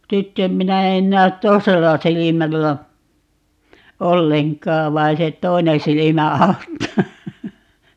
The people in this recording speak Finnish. sitten en minä en näe toisella silmällä ollenkaan vaan se toinen silmä auttaa